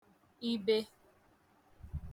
ibe